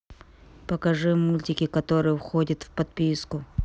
покажи мультики которые входят в подписку